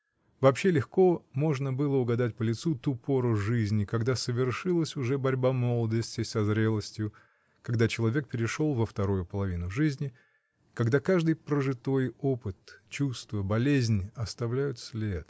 Вообще легко можно было угадать по лицу ту пору жизни, когда совершилась уже борьба молодости со зрелостью, когда человек перешел на вторую половину жизни, когда каждый прожитой опыт, чувство, болезнь оставляют след.